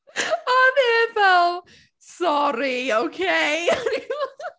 A oedd e fel "Sori, okay!"